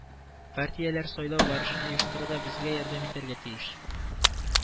Партияләр сайлау барышын оештыруда безгә ярдәм итәргә тиеш